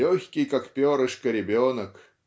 Легкий как перышко ребенок